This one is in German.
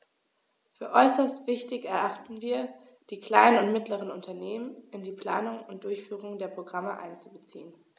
Für äußerst wichtig erachten wir, die kleinen und mittleren Unternehmen in die Planung und Durchführung der Programme einzubeziehen.